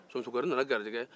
somusokɔrɔnin nana garijɛgɛ